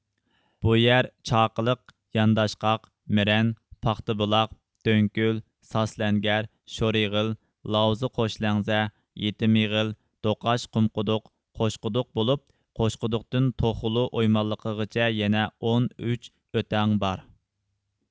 بۇ يەر چاقىلىق يانداشقاق مىرەن پاختابۇلاق دۆڭكۆل ساسلەنگەر شورئېغىل لاۋزا قوشلەڭزە يېتىم ئېغىل دۆقاش قۇمقۇدۇق قوشقۇدۇق بولۇپ قوشقۇدۇقتىن توخولۇ ئويمانلىغىغىچە يەنە ئون ئۈچ ئۆتەڭ بار